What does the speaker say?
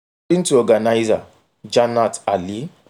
According to organizer Jannat Ali: